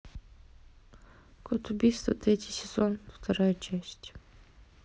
код убийства третий сезон вторая часть